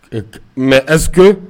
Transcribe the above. , Est ce que